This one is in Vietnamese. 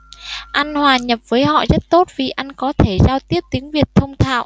anh hòa nhập với họ rất tốt vì anh có thể giao tiếp tiếng việt thông thạo